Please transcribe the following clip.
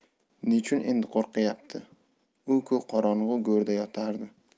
nechun endi qo'rqyapti u ku qorong'i go'rida yotardi